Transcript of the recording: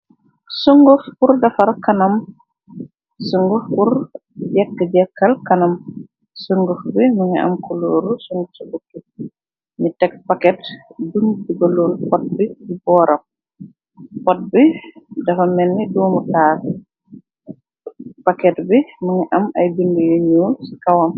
Sungux pur defar kanam, sungux pur jekk jekkal kanam , sungux bi minga am kulooru sung ca bukki. Ni teg paket bun tigaloon pot bi bu boorab, pot bi dafa menn duumu taal, paket bi minga am ay bind yu ñuul ci kawam.